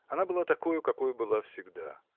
Она была такою, какою была всегда.